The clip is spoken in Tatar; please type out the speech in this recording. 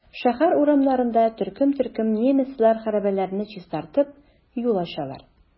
Шәһәр урамнарында төркем-төркем немецлар хәрабәләрне чистартып, юл ачалар.